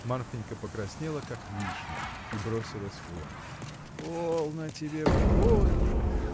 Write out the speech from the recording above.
Марфинька покраснела, как вишня, и бросилась вон. — Полно тебе, Борюшка!